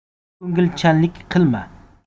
ko'ngilchanlik qilma